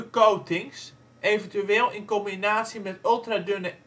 coatings, eventueel in combinatie met ultra dunne